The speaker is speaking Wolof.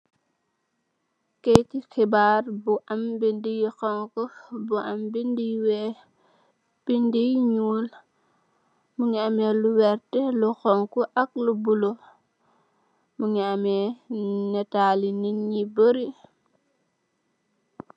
Kayiti xibarr bu am bindi yu xonxu bu am bindi yu wèèx , bindi yu ñuul. Mugii ameh lu werta, lu xonxu ak lu bula, mugii ameh nitali nit ñu bari.